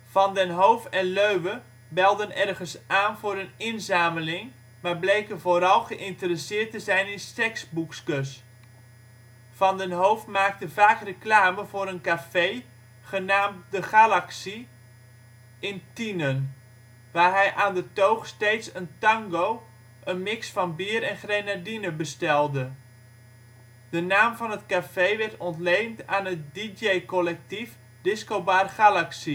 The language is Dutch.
Van den Hoof en Leue belden ergens aan voor een inzameling, maar bleken vooral geïnteresseerd te zijn in " seksboekskes ". Van den Hoof maakte vaak reclame voor een café genaamd " De Galaxie " in Tienen, waar hij aan de toog steeds een tango, een mix van bier en grenadine, bestelde. De naam van het café werd ontleend aan het dj-collectief Discobar Galaxie, waar Van